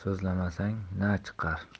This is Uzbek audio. so'zlamasang na chiqar